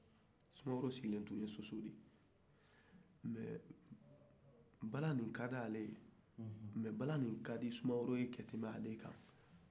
sumaworo sigilen tun bɛ soso de mais bala in kale ye mais bala in kadi sumaworo ye ka tɛmɛ ale kan